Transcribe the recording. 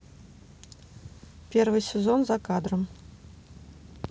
первый сезон за кадром